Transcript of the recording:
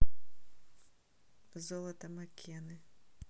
золото маккены